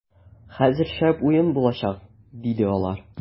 - хәзер шәп уен булачак, - диде алар.